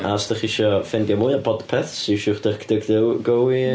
A os ydach chi isho ffeindio mwy o podpeths iwsiwch duck duck go i yy...